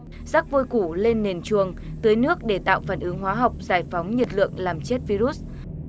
rắc vôi củ lên nền chuồng tưới nước để tạo phản ứng hóa học giải phóng nhiệt lượng làm chết vi rút